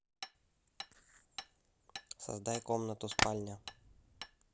создай комнату спальня